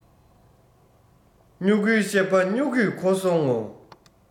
སྨྱུ གུའི བཤད པ སྨྱུ གུས གོ སོང ངོ